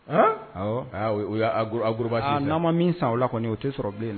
Han! Awɔ. A o ye, o ye acro acrobatie ye dɛ! An n'a' ma min san o la kɔni a' tɛ sɔrɔ bilen